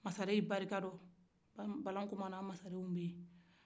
masaren barika dɔ balan komana maren